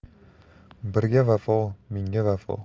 birga vafo mingga vafo